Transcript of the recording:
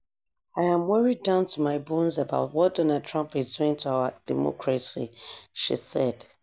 "I am worried down to my bones about what Donald Trump is doing to our democracy," she said.